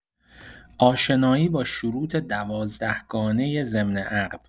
آشنایی با شروط ۱۲ گانه ضمن عقد